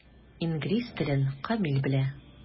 Инглиз телен камил белә.